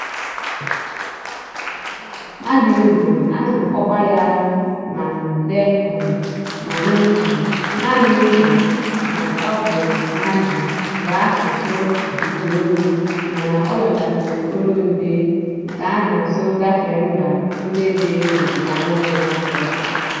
Mandingo( a na-akpọkwa ya Mandenkan, Manịnka, Mandingo, ma ọ bụ Mandin) bụ asụsụ ụdaolu mana o nwegasịrị olundị nke a na-asụ gafee mba ndị dị n'Ọdịda Anyanwu Afrịka.